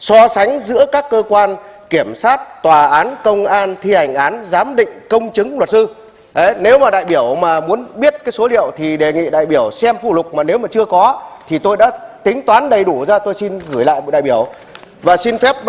so sánh giữa các cơ quan kiểm sát tòa án công an thi hành án giám định công chứng luật sư đấy nếu mà đại biểu mà muốn biết cái số liệu thì đề nghị đại biểu xem phụ lục mà nếu mà chưa có thì tôi đã tính toán đầy đủ ra tôi xin gửi lại một đại biểu và xin phép